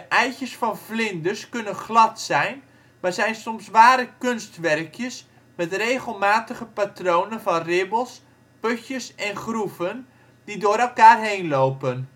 eitjes van vlinders kunnen glad zijn maar zijn soms ware kunstwerkjes met regelmatige patronen van ribbels, putjes en groeven die door elkaar heen lopen